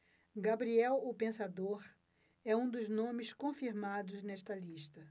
gabriel o pensador é um dos nomes confirmados nesta lista